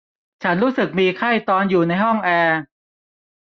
ฉันรู้สึกมีไข้ตอนอยู่ในห้องแอร์